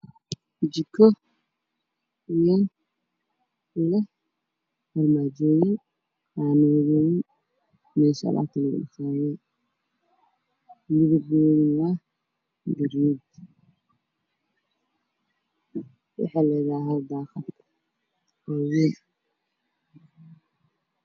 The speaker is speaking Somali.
Waxaa ii muuqda jiko casri ah waxa ayna leedahay armajooyin daaqado dhalaal hoosna waxaa saaran motire midabkiisu yahay caddaysi iyo cadaan isku jira